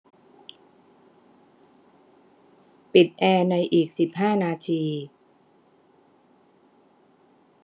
ปิดแอร์ในอีกสิบห้านาที